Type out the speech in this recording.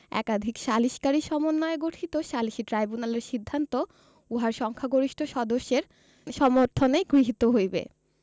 একাধিক সালিসকারী সমন্বয়ে গঠিত সালিসী ট্রাইব্যুনালের সিদ্ধান্ত উহার সংখ্যাগরিষ্ঠ সদস্যের সমর্থনে গৃহীত হইবে